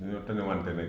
dañoo tanewante rekk